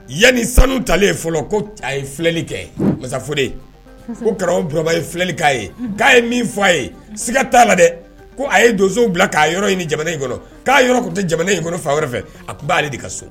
Yanni sanu talen fɔlɔ ko a ye filɛli kɛ mansaf ko karamɔgɔuraba ye filɛ k'a ye k'a ye fɔ a ye siga t'a la dɛ ko a ye donso bila k'a yɔrɔ ɲini jamana in kɔnɔ k'a yɔrɔ tun tɛ jamana in kɔnɔ fa wɛrɛ fɛ a tun b'ale de ka so